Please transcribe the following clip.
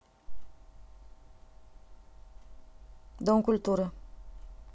дом культуры